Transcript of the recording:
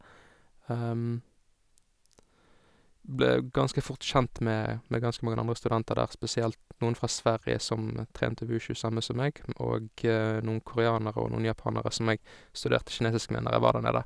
Ble ganske fort kjent med med ganske mange andre studenter der, spesielt noen fra Sverige som trente wushu, samme som jeg, m og noen koreanere og noen japanere som jeg studerte kinesisk med når jeg var der nede.